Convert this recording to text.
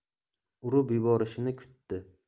urib yuborishini kutdi